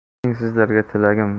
mening sizlarga tilagim da'vatim shuki